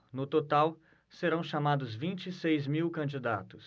no total serão chamados vinte e seis mil candidatos